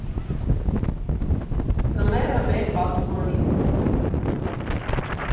Ձմեռը մեր պատուհանից։